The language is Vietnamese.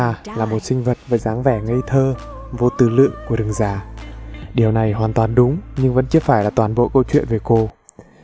aiushtha là một sinh vật với dáng vẻ ngây thơ vô tư lự của rừng già điều này hoàn toàn đúng nhưng vẫn chưa phải là toàn bộ câu chuyện về cô